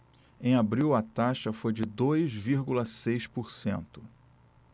em abril a taxa foi de dois vírgula seis por cento